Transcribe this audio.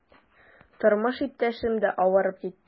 Тормыш иптәшем дә авырып китте.